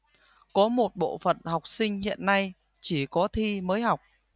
có một bộ phận học sinh hiện nay chỉ có thi mới học